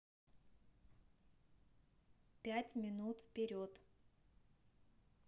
пять минут вперед